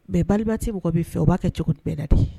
Bɛɛ barikati mɔgɔ bɛ fɛ u b'a kɛ cogo bɛɛ da de ye